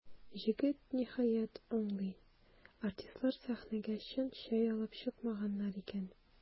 Җегет, ниһаять, аңлый: артистлар сәхнәгә чын чәй алып чыкмаганнар икән.